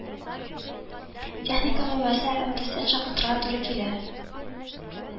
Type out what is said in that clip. Техникаң булмаса, эмтэстан чакыртырга туры килә